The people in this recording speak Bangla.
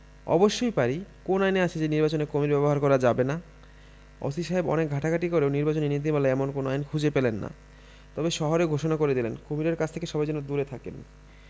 অবশ্যই পারি কোন আইনে আছে যে নির্বাচনে কুমীর ব্যবহার করা যাবে না ওসি সাহেব অনেক ঘাঁটাঘাটি করেও নির্বাচনী নীতিমালায় এমন কোন আইন খুঁজে পেলেন না তবে শহরে ঘোষণা দিয়ে দিলেন কুমীরদের কাছ থেকে সবাই যেন দূরে থাকেন